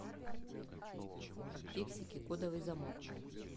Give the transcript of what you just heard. фиксики кодовый замок